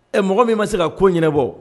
Ɛ mɔgɔ min ma se ka ko ɲɛnabɔ